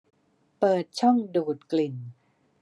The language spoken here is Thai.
เปิดช่องดูดกลิ่น